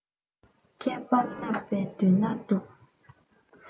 མཁས པ སློབ པའི དུས ན སྡུག